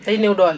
day néew doole